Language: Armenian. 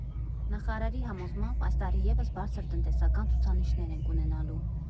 Նախարարի համոզմամբ՝ այս տարի ևս բարձր տնտեսական ցուցանիշներ ենք ունենալու։